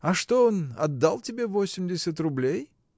— А что он, отдал тебе восемьдесят рублей?